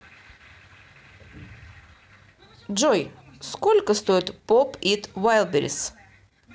джой сколько стоит pop it wildberries